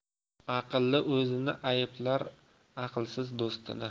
aqlli o'zini ayblar aqlsiz do'stini